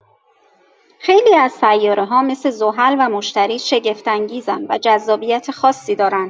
خیلی از سیاره‌ها مثل زحل و مشتری شگفت‌انگیزن و جذابیت خاصی دارن.